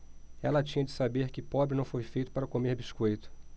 ela tinha de saber que pobre não foi feito para comer biscoito